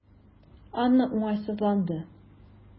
Анна уңайсызланды.